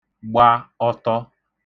gba ọtọ